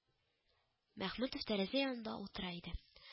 Мәхмүтов тәрәзә янында утыра иде